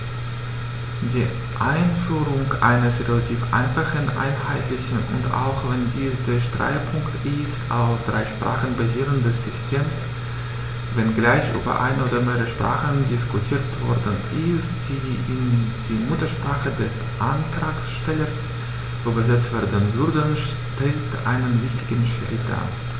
Die Einführung eines relativ einfachen, einheitlichen und - auch wenn dies der Streitpunkt ist - auf drei Sprachen basierenden Systems, wenngleich über eine oder mehrere Sprachen diskutiert worden ist, die in die Muttersprache des Antragstellers übersetzt werden würden, stellt einen wichtigen Schritt dar.